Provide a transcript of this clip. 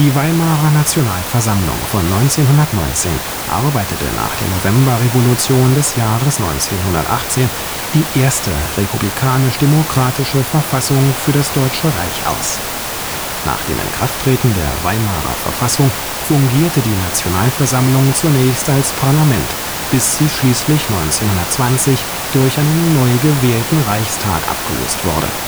Weimarer Nationalversammlung von 1919 arbeitete nach der November-Revolution des Jahres 1918 die erste republikanisch-demokratische Verfassung für das Deutsche Reich aus. Nach dem Inkrafttreten der Weimarer Verfassung fungierte die Nationalversammlung zunächst als Parlament bis sie schließlich 1920 durch einen neu gewählten Reichstag abgelöst wurde